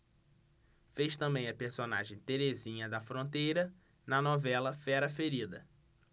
fez também a personagem terezinha da fronteira na novela fera ferida